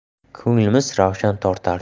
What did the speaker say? ko'nglimiz ravshan tortardi